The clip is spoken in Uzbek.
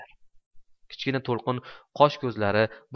kichkina to'lqin qosh ko'zlari